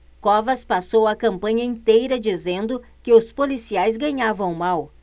covas passou a campanha inteira dizendo que os policiais ganhavam mal